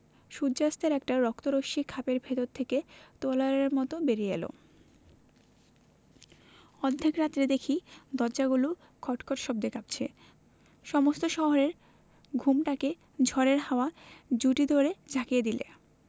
সূর্য্যাস্তের একটা রক্ত রশ্মি খাপের ভেতর থেকে তলোয়ারের মত বেরিয়ে এল অর্ধেক রাত্রে দেখি দরজাগুলো খটখট শব্দে কাঁপছে সমস্ত শহরের ঘুমটাকে ঝড়ের হাওয়া ঝুঁটি ধরে ঝাঁকিয়ে দিলে